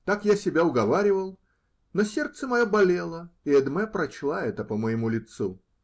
Так я себя уговаривал, но сердце мое болело, и Эдмэ прочла это по моему лицу.